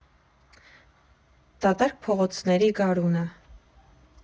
Դատարկ փողոցների գարունը։